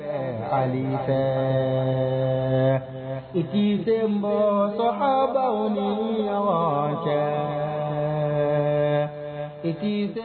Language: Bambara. Hali cɛ iki denbɔban ni ya cɛ i